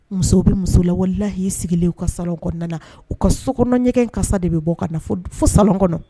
Musow bɛ muso lawalelahi'i sigilen ka sa kɔnɔna na u ka sokɔnɔ ɲɛgɛn kasa de bɛ bɔ ka fo sa kɔnɔ